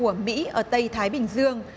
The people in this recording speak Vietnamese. của mỹ ở tây thái bình dương